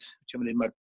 ti'o' ma'n neud ma'r